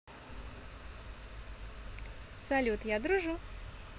салют я дружу